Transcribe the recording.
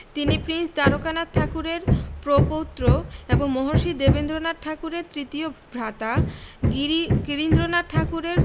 তিনি প্রিন্স দ্বারকানাথ ঠাকুরের প্রপৌত্র এবং মহর্ষি দেবেন্দ্রনাথ ঠাকুরের তৃতীয় ভ্রাতা গিরীন্দ্রনাথ ঠাকুরের